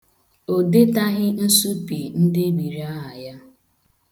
O detaghị nsupe ndebiri aha ya.